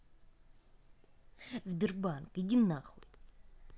сбербанк иди на хуй